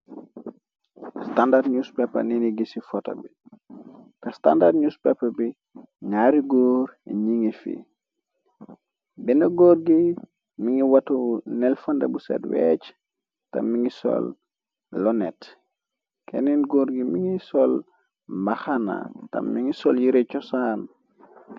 Standard newspeper nini gi ci fota bi , te standard newspeper bi ñaari góor ni ngi fi , benn góor gi mi ngi watu nel fande bu set weec tamit mi ngi sol lo net. Kenneen góor gi mi ngi sol mbaxana tamit mi ngi sol yire cosaan.